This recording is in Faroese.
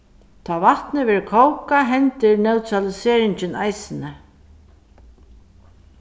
tá vatnið verður kókað hendir neutraliseringin eisini